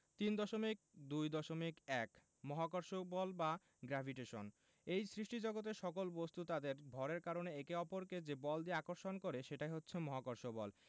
৩.২.১ মহাকর্ষ বল বা গ্রেভিটেশন এই সৃষ্টিজগতের সকল বস্তু তাদের ভরের কারণে একে অপরকে যে বল দিয়ে আকর্ষণ করে সেটাই হচ্ছে মহাকর্ষ বল